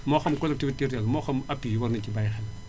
moo xam collectivité territoriale moo xam appui yi war nañu si bàyyi xel